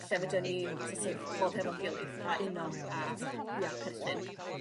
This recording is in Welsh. lle fedren ni so't of fod hefo'n gilydd a uno a ia perthyn.